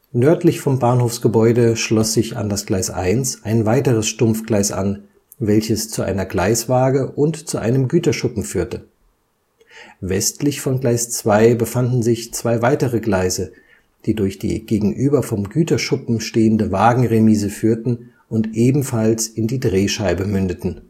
Nördlich vom Bahnhofsgebäude schloss sich an das Gleis 1 ein weiteres Stumpfgleis an, welches zu einer Gleiswaage und zu einem Güterschuppen führte. Westlich von Gleis 2 befanden sich zwei weitere Gleise, die durch die gegenüber vom Güterschuppen stehende Wagenremise führten und ebenfalls in die Drehscheibe mündeten